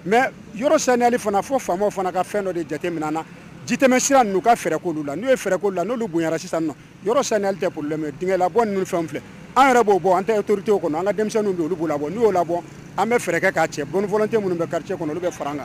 Mɛ yɔrɔli fana fo faamaw fana ka fɛn dɔ de jate min na jimɛ sira nu ka fɛ la n'u yeɛrɛ la n'olu bon sisan yɔrɔli tɛ la bɔ n fɛn filɛ an yɛrɛ b'o bɔ an tɛ ye totew kɔnɔ an ka denmisɛnnin don olu' la bɔ n''o la an bɛ fɛɛrɛkɛ ka cɛ bɔnfɔ cɛ minnu bɛ kari kɔnɔ olu bɛ fara an kan